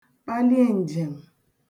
palie ǹjèm